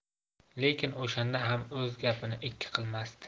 lekin o'shanda ham o'z gapini ikki qilmasdi